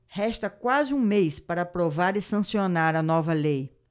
resta quase um mês para aprovar e sancionar a nova lei